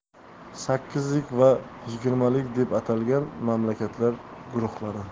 sakkizlik va yigirmalik deb atalgan mamlakatlar guruhlari